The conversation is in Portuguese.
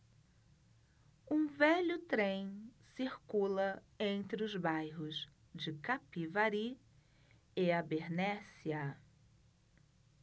um velho trem circula entre os bairros de capivari e abernéssia